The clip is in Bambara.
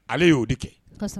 Ale ye' o de kɛ